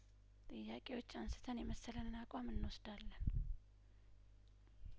ጥያቄዎች አንስተን የመሰለንን አቋም እንወስ ዳለን